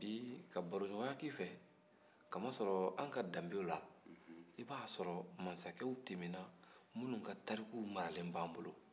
bi ka baroɲɔgɔnya k'i fɛ ka d'a kan an ka danbew la i b'a sɔrɔ masakɛw tɛmɛna minnu ka tarikou maralen b'an bolo